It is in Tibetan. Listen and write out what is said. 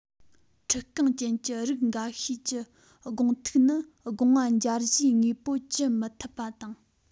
འཁྲིལ རྐང ཅན གྱི རིགས འགའ ཤས ཀྱི སྒོང ཐིག ནི སྒོ ང འབྱར གཞིའི དངོས པོ བགྱི མི ཐུབ པ དང